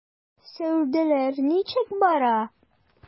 Сәүдәләр ничек бара?